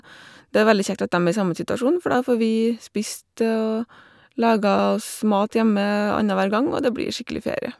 Det er veldig kjekt at dem er i samme situasjon for da får vi spist og laget oss mat hjemme annenhver gang, og det blir skikkelig ferie.